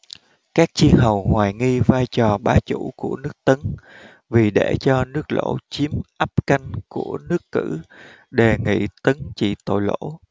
các chư hầu hoài nghi vai trò bá chủ của nước tấn vì để cho nước lỗ chiếm ấp canh của nước cử đề nghị tấn trị tội lỗ